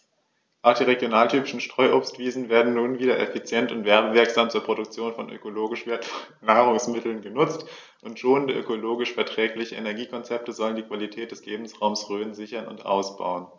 Auch die regionaltypischen Streuobstwiesen werden nun wieder effizient und werbewirksam zur Produktion von ökologisch wertvollen Nahrungsmitteln genutzt, und schonende, ökologisch verträgliche Energiekonzepte sollen die Qualität des Lebensraumes Rhön sichern und ausbauen.